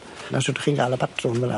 Na' shwt chi'n ga'l y patrwn fel 'a.